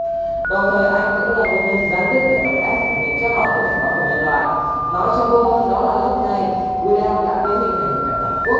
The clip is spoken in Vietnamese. đồng thời anh cũng là nguyên nhân gián tiếp để tộc elf thực hiện trót lọt kế hoạch báo thù nhân loại nói cho vuông hơn đó là lúc này william đã biến mình thành kẻ phản quốc